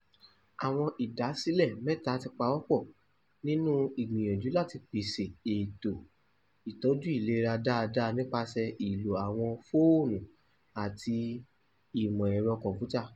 Àwọn ìdásílẹ̀ mẹ́ta ti pawọ́ pọ̀ nínú ìgbìyànjú láti pèsè ètò ìtọ́jú ìlera dáadáa nípasẹ̀ ìlò àwọn fóònù àti ìmọ̀-ẹ̀rọ kọ̀m̀pútà.